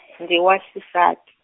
ndzi wa xisati.